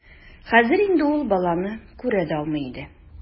Хәзер инде ул баланы күрә дә алмый иде.